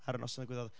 ar y noson ddigwyddodd.